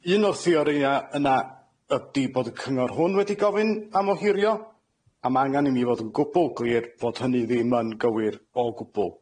Un o'r theorïa' yna ydi bod y cyngor hwn wedi gofyn am ohirio, a ma' angan i ni fod yn gwbwl glir fod hynny ddim yn gywir, o gwbwl.